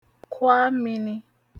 kwa mini